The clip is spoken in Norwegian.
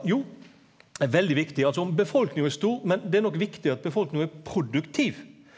jo veldig viktig altså om befolkninga er stor men det er nok viktig at befolkninga er produktiv.